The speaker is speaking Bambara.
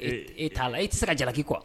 Eee e t'a la e tɛ se ka jalaki kuwa